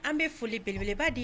An bɛ foli beleba di